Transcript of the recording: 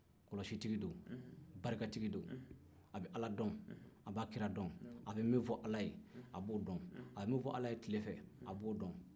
kɔlɔsitigi don barikatigi don a bɛ ala don a ba kira don a bɛ min fɔ ala ye a b'o don a bɛ min fɔ ala ye tile fɛ a b'o don